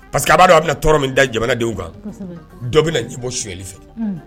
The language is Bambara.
Parce que a b'a a bɛ bɛna tɔɔrɔɔrɔ min da jamanadenw kan dɔ bɛ ɲɛ bɔ sili fɛ